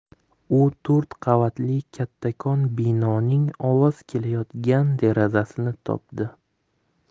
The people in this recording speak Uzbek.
u to'rt qavatli kattakon binoning ovoz kelayotgan derazasini topdi